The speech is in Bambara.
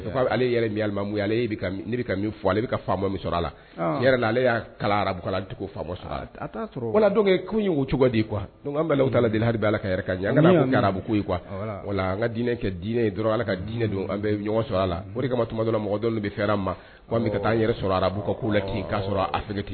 Limamu fɔ ale ale kala arabu ye cogo di kuwa la hali la arabu wala kainɛ kɛ dinɛ dɔrɔn ala ka dinɛ don an sɔrɔ a laɔri kamala mɔgɔ bɛ fɛ ma ka taa an yɛrɛ sɔrɔ arabu ka' la afe